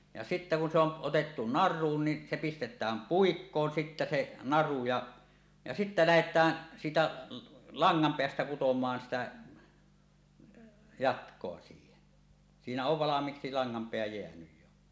ja sitten kun se on otettu naruun niin se pistetään puikkoon sitten se naru ja ja sitten lähdetään siitä langanpäästä kutomaan sitä jatkoa siihen siinä on valmiiksi langanpää jäänyt jo